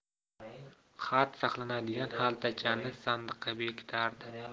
xat saqlanadigan xaltachani sandiqqa bekitardi